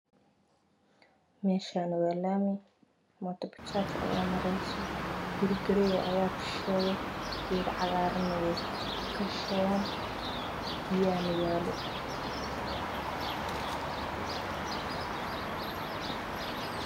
Meshani waa lami moto bajaj aya mareso guri gareg aya ka shisheyo gedo cagarane way kashisheyan biyana yalo